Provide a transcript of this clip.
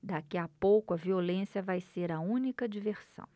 daqui a pouco a violência vai ser a única diversão